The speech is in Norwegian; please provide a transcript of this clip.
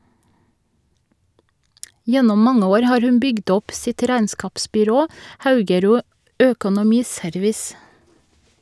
Gjennom mange år har hun bygd opp sitt regnskapsbyrå Haugerud Økonomiservice.